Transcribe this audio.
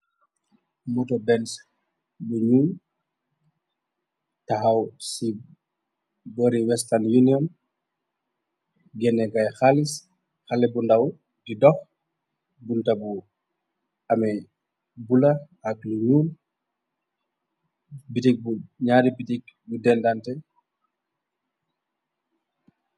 Moto bens buñu taxaw ci bory western union genne kay xalis xale bu ndaw di dox bunta bu amee bu la ak lu ñyuul bitik bu ñaari pitik bu dendante.